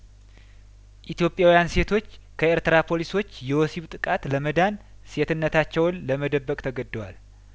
ኢትዮጵያውያን ሴቶች ከኤርትራ ፖሊሶች የወሲብ ጥቃት ለመዳን ሴትነታቸውን ለመደበቅ ተገደዋል